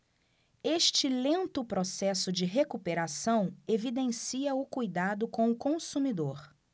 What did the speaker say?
este lento processo de recuperação evidencia o cuidado com o consumidor